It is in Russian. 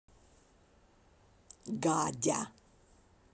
гадя